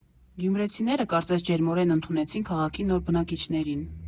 Գյումրեցիները, կարծես, ջերմորեն ընդունեցին քաղաքի նոր բնակիչներին։